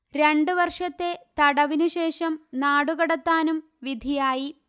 രണ്ട് വർഷത്തെ തടവിനു ശേഷം നാടു കടത്താനും വിധിയായി